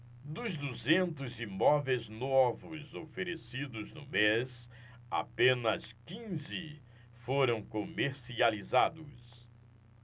dos duzentos imóveis novos oferecidos no mês apenas quinze foram comercializados